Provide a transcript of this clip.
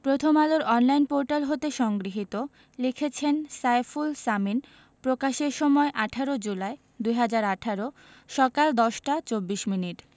প্রথম আলোর online portal হতে সংগৃহীত লিখেছেন সাইফুল সামিন প্রকাশের সময় ১৮ জুলাই ২০১৮ সকাল ১০টা ২৪ মিনিট